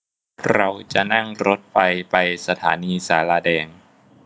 เราจะนั่งรถไฟไปสถานีศาลาแดง